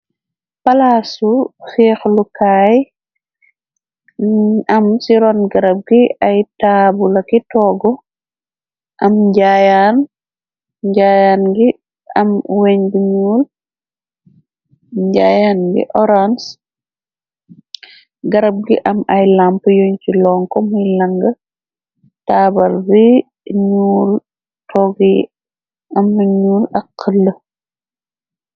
Palaasu fiix lukaay am ci ron garab gi ay taabu la ki toogu am jayan njayan gi am wenñul njaayaan gi orange garab gi am ay lamp yuñ ci loŋko mi lang taabar bi ñyuul toggi am wenyul ak xëlle.